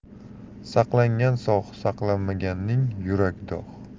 saqlangan sog' saqlanmaganning yuragi dog'